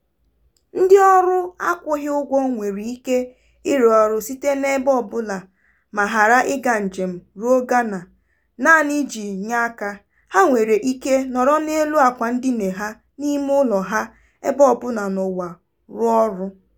Ndịọrụ akwụghị ụgwọ nwere ike ịrụ ọrụ site n'ebe ọbụla ma ghara ịga njem ruo Ghana naanị iji nye aka; ha nwere ike nọrọ n'elu àkwàndina ha n'ime ụlọ ha ebe ọbụla n'ụwa rụọ ọrụ.